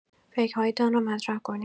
فکرهایتان را مطرح کنید.